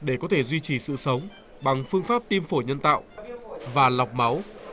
để có thể duy trì sự sống bằng phương pháp tim phổi nhân tạo và lọc máu